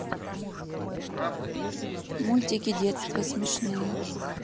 мультики детства смешные